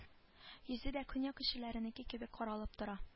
Йөзе дә көньяк кешеләренеке кебек каралып тора